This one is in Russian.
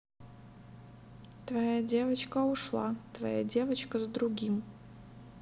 твоя девочка ушла твоя девочка с другим